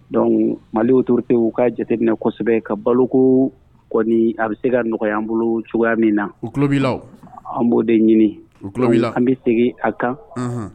Donc mali otote u k kaa jateminɛ na kosɛbɛ ka balo kɔni a bɛ se ka nɔgɔya bolo cogoya min na tulolaw an b'o de ɲini tulo an bɛ segin a kan